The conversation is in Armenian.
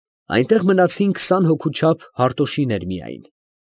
Այնտեղ մնացին քսան հոգու չափ Հարտոշիներ միայն։ ֊